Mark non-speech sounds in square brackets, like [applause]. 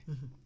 [hesitation] [hesitation]